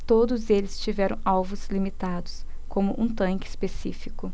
todos eles tiveram alvos limitados como um tanque específico